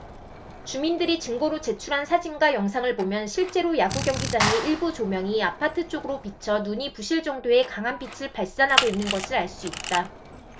주민들이 증거로 제출한 사진과 영상을 보면 실제로 야구경기장의 일부 조명이 아파트 쪽으로 비쳐 눈이 부실 정도의 강한 빛을 발산하고 있는 것을 알 수 있다